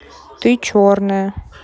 ты черная